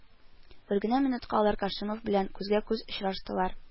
Бер генә минутка алар Кашимов белән күзгә-күз очраштылар